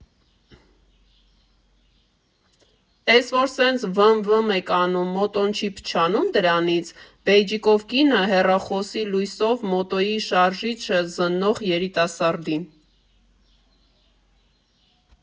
֊Էս որ սենց վըըըմ վըըըմ եք անում, մոտոն չի փչանու՞մ դրանից, ֊ բեյջիկով կինը՝ հեռախոսի լույսով մոտոյի շարժիչը զննող երիտասարդին։